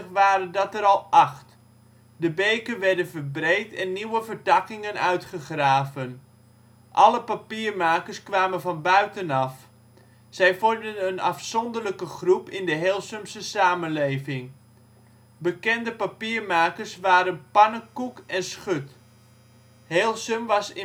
waren dat er al acht. De beken werden verbreed en nieuwe vertakkingen uitgegraven. Alle papiermakers kwamen van buitenaf. Zij vormden een afzonderlijke groep in de Heelsumse samenleving. Bekende papiermakers waren Pannekoek en Schut. Heelsum was